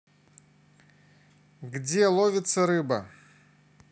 где ловится рыба